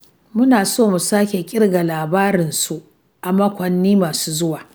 Muna so mu sake kirga labarinsu a makwanni masu zuwa.